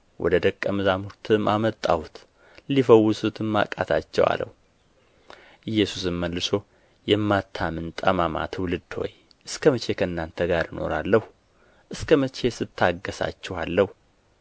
ወደ ደቀ መዛሙርትህም አመጣሁት ሊፈውሱትም አቃታቸው አለው ኢየሱስም መልሶ የማታምን ጠማማ ትውልድ ሆይ እስከ መቼ ከእናንተ ጋር እኖራለሁ እስከ መቼስ እታገሣችኋለሁ